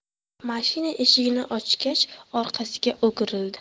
mashina eshigini ochgach orqasiga o'girildi